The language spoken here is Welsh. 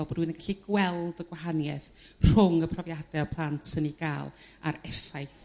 fel bod rywun yn cyd gweld y gwahanieth rhwng y profiade o' plant yn 'u ga'l a'r effaith